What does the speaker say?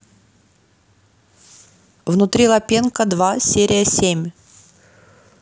внутри лапенко два серия семь